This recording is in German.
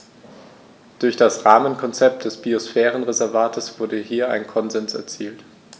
Durch das Rahmenkonzept des Biosphärenreservates wurde hier ein Konsens erzielt.